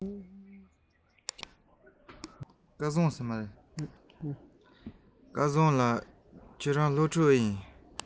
སྐལ བཟང ལགས ཁྱེད རང སློབ ཕྲུག ཡིན པས